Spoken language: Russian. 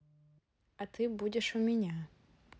а ты будешь у меня